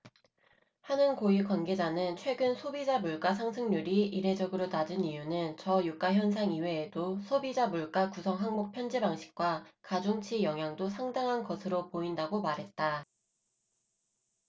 한은 고위 관계자는 최근 소비자물가상승률이 이례적으로 낮은 이유는 저유가 현상 이외에도 소비자물가 구성항목 편제방식과 가중치 영향도 상당한 것으로 보인다고 말했다